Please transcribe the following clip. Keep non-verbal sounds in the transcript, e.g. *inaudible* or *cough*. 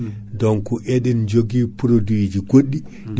*breath* ko lekki ki ganduɗa ɗiɗo sa waɗi ɗum e awdi ma *breath*